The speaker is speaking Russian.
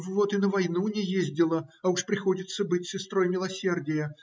Вот и на войну не ездила, а уж приходится быть сестрой милосердия.